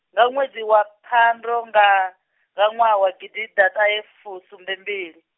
nga ṅwedzi wa phando nga, ṅwaha wa gidiḓaṱahefusumbembili.